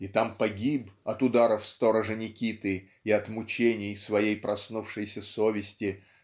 и там погиб от ударов сторожа Никиты и от мучений своей проснувшейся совести